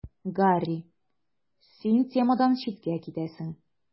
Гарри: Син темадан читкә китәсең.